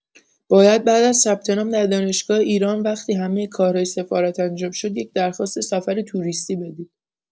باید بعد از ثبت‌نام در دانشگاه ایران وقتی همه کارهای سفارت انجام شد یک درخواست سفر توریستی بدید